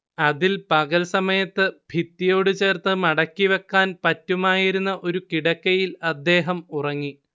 അതിൽ പകൽ സമയത്ത് ഭിത്തിയോടുചേർത്ത് മടക്കിവക്കാൻ പറ്റുമായിരുന്ന ഒരു കിടക്കയിൽ അദ്ദേഹം ഉറങ്ങി